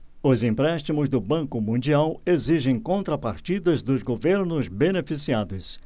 os empréstimos do banco mundial exigem contrapartidas dos governos beneficiados